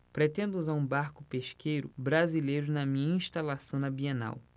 pretendo usar um barco pesqueiro brasileiro na minha instalação na bienal